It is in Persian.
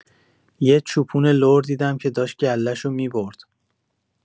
یه چوپون لر دیدم که داشت گله‌شو می‌برد.